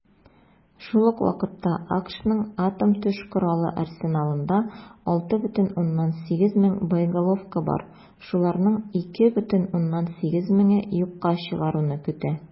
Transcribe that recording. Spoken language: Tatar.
Шул ук вакытта АКШның атом төш коралы арсеналында 6,8 мең боеголовка бар, шуларны 2,8 меңе юкка чыгаруны көтә.